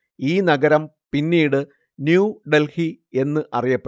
ഈ നഗരം പിന്നീട് ന്യൂ ഡെല്‍ഹി എന്ന് അറിയപ്പെട്ടു